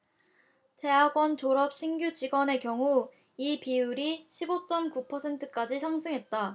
대학원 졸업 신규직원의 경우 이 비율이 십 오 쩜 구 퍼센트까지 상승했다